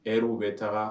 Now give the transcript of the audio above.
Hrw bɛ taga